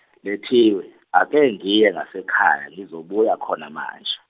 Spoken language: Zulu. Lethiwe ake ngiye ngasekhaya, ngizobuya khona manje.